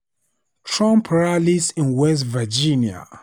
Trump rallies in West Virginia